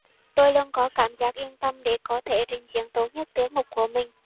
tôi luôn có cảm giác yên tâm để có thể trình diễn tốt nhất tiết mục của mình